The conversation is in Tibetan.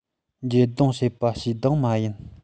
འཇབ རྡུང ཐེབས པ ཞེ སྡང མ ཡིན